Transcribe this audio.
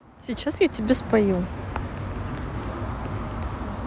сейчас я тебе спою